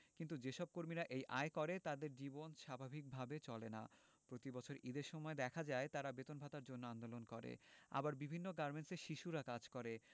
কিন্তু যেসব কর্মীরা এই আয় করে তাদের জীবন স্বাভাবিক ভাবে চলে না প্রতিবছর ঈদের সময় দেখা যায় তারা বেতন ভাতার জন্য আন্দোলন করে আবার বিভিন্ন গার্মেন্টসে শিশুরা কাজ করে